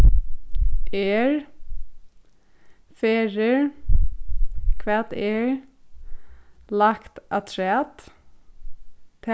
er ferðir hvat er lagt afturat